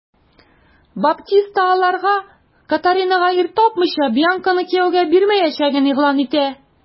Баптиста аларга, Катаринага ир тапмыйча, Бьянканы кияүгә бирмәячәген игълан итә.